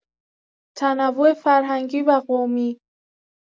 تنوع فرهنگی و قومی